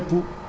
tagatémbe